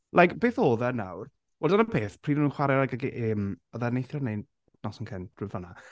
Like beth oedd e nawr? Wel dyna'r peth. Pryd o'n nhw'n chwarae like yy y gêm... oedd e neithiwr neu noson cynt? Rhywbeth fel 'na.